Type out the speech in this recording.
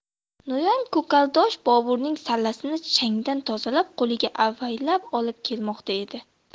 no'yon ko'kaldosh boburning sallasini changdan tozalab qo'lida avaylab olib kelmoqda edi